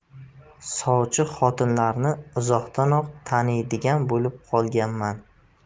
sovchi xotinlarni uzoqdanoq taniydigan bo'lib qolganman